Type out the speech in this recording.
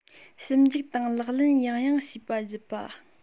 ཞིབ འཇུག དང ལག ལེན ཡང ཡང བྱས པ བརྒྱུད པ